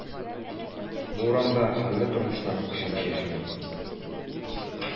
Бу урамда хәлле тормыштагы кешеләр яшәгән.